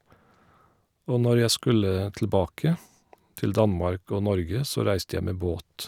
Og når jeg skulle tilbake til Danmark og Norge, så reiste jeg med båt.